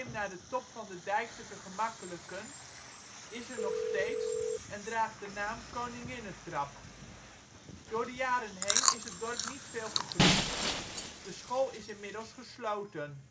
naar de top van de dijk te vergemakkelijken is er nog steeds en draagt de naam Koninginnetrap. Door de jaren heen is het dorp niet veel gegroeid. De school is inmiddels gesloten